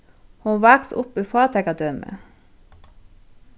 hon vaks upp í fátækadømi